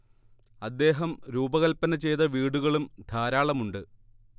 അദ്ദേഹം രൂപകല്പന ചെയ്ത വീടുകളും ധാരാളമുണ്ട്